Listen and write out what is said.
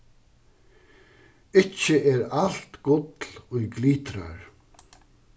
ikki er alt gull ið glitrar